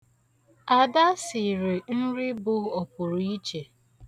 Ada siri nri bụ opụrụiche.